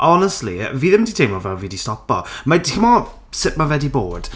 Honestly fi ddim 'di teimlo fel fi 'di stopo. Mae- timod sut ma' fe 'di bod?